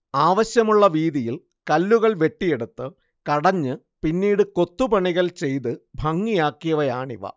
ആവശ്യമുള്ള വീതിയിൽ കല്ലുകൾ വെട്ടിയെടുത്ത് കടഞ്ഞ് പിന്നീട് കൊത്തുപണികൾ ചെയ്ത് ഭംഗിയാക്കിയവയാണിവ